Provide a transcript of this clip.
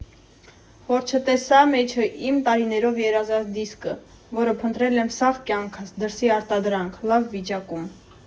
Որ չտեսա՜ մեջը իմ՝ տարիներով երազած դիսկը, որ փնտրել եմ սաղ կյանքս, դրսի արտադրանք, լավ վիճակո՜ւմ։